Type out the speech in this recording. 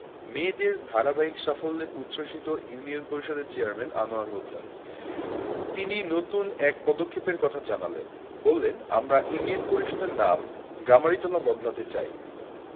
মেয়েদের ধারাবাহিক সাফল্যে উচ্ছ্বসিত ইউনিয়ন পরিষদের চেয়ারম্যান আনোয়ার হোসেন তিনি নতুন এক পদক্ষেপের কথা জানালেন বললেন আমরা ইউনিয়ন পরিষদের নাম গামারিতলা বদলাতে চাই